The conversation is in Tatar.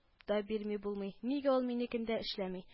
Да бирми булмый нигә ул минекендә эшләми